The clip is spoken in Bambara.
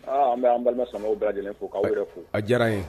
An bɛ an balima sama bɛ lajɛlen fo k'aw yɛrɛ fo a diyara n ye